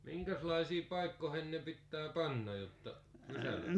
minkäslaisiin paikkoihin ne pitää panna jotta rysä